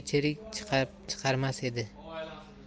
tuzatmaguncha ustiga cherik chiqarmas edi